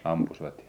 ampuivat ja